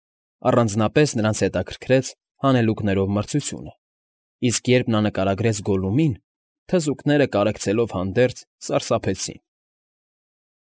Առանձնապես նրանց հետաքրքրեց հանելուկներով մրցությունը, իսկ երբ նա նկարագրեց Գոլլումին, թզուկները, կարեկցելով հանդերձ, սարսափեցին։ ֊